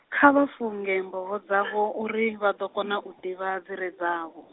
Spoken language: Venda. kha vha funge mboho dzavho uri, vha ḓo kona u ḓivha dzire dzavho.